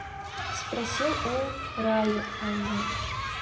спросил у райана